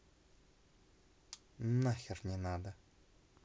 нахер не надо